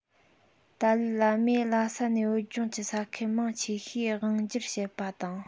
ཏཱ ལའི བླ མས ལྷ ས ནས བོད ལྗོངས ཀྱི ས ཁུལ མང ཆེ ཤོས དབང སྒྱུར བྱེད པ དང